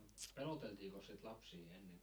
no peloteltiinkos sitä lapsia ennen